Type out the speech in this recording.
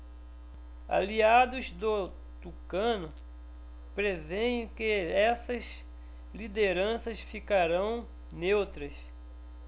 aliados do tucano prevêem que essas lideranças ficarão neutras